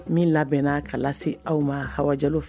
Min labɛnna k'a lase aw ma Hawa Diallo f